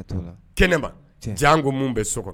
Kɛnɛba jan ko min bɛ so kɔnɔ